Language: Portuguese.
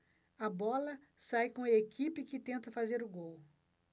a bola sai com a equipe que tenta fazer o gol